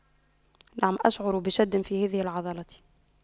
نعم أشعر بشد في هذه العضلة